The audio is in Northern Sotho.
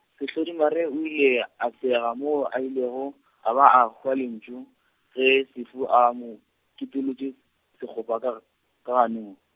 Sehlodimare o ile a sega moo a ilego, a ba a hwa lentšu, ge Sefu a mo kitolotše, sekgopha kar- .